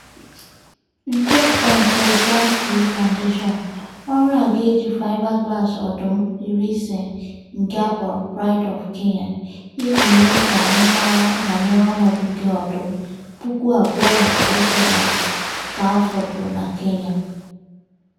Nchepụta nke Born Free Foundation, ọrụ a ga-eji fiberglass ọdụm 50, nke a kpọrọ 'Pride of Kenya' iji mee ka a mara banyere ọnọdụ nke ọdụm 2,100 ka fọdụrụ na Kenya.